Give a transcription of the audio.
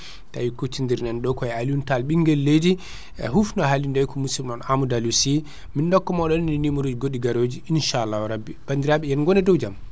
tawi kuccudir ɗen ɗo koye Aliou Tall ɓinguel leydi hufno haalirde ko musiɗɗo mom Amadou Aliou Sy min dokka moɗon numéro ruji goɗɗi garaji inchallahu rabbi bandiraɓe yen gonne e dow jaam